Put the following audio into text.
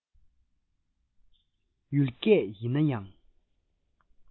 ཡུལ སྐད ཡིན ན ཡང